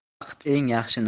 vaqt eng yaxshi